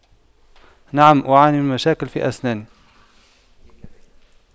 نعم أعاني من مشاكل في أسنان